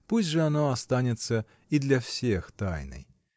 пусть же оно останется и для всех тайной.